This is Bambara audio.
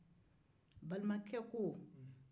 balimakɛ ko